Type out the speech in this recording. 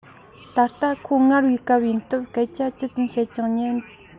ད ལྟ ཁོ ངར བའི སྐབས ཡིན སྟབས སྐད ཆ ཇི ལྟར བཤད ཀྱང ཉན གྱི མི འདུག